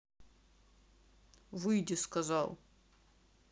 выйди сказал